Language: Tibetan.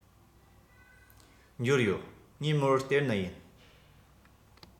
འབྱོར ཡོད ངས མོར སྟེར ནི ཡིན